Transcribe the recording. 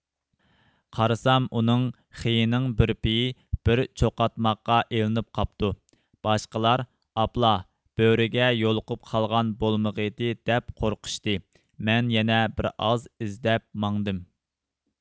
قارىسام ئۇنىڭ خېيىنىڭ بىر پېيى بىر چوقاتماققا ئىلىنىپ قاپتۇ باشقىلار ئاپلا بۆرىگە يولۇقۇپ قالغان بولمىغيىدى دەپ قورقۇشتى مەن يەنە بىرئاز ئىزدەپ ماڭدىم